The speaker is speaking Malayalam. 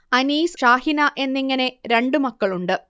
അനീസ് ഷാഹിന എന്നിങ്ങനെ രണ്ട് മക്കളുണ്ട്